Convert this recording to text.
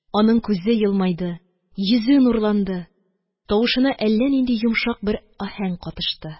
Аның күзе елмайды, йөзе нурланды, тавышына әллә нинди йомшак бер аһәң катышты.